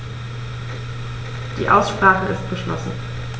Die Aussprache ist geschlossen.